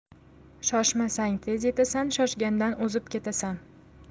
shoshmasang tez yetasan shoshgandan o'zib ketasan